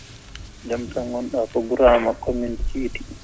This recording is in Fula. jam tan wonɗaa ko Bourama commune Thiety